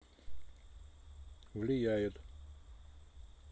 влияет